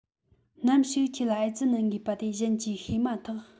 ནམ ཞིག ཁྱོད ལ ཨེ ཙི ནད འགོས པ དེ གཞན གྱིས ཤེས མ ཐག